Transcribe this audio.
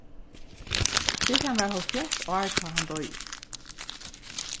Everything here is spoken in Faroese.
kristian var hálvfjerðs ár tá hann doyði